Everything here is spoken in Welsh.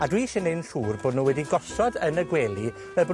A dwi isie neud yn siŵr bo' nw wedi gosod yn y gwely fel bo'